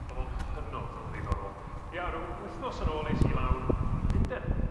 ...o'dd o'n hynod o ddiddorol ia ryw wythnos yn ôl es i lawr i Lunden